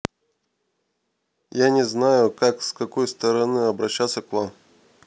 я не знаю как с какой стороны обращаться к вам